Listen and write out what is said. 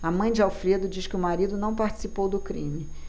a mãe de alfredo diz que o marido não participou do crime